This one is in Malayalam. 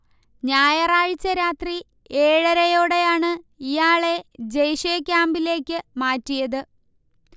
ഞായറാഴ്ച രാത്രി ഏഴരയോടെയാണ് ഇയാളെ ജെയ്ഷെ ക്യാമ്പിലേക്ക് മാറ്റിയത്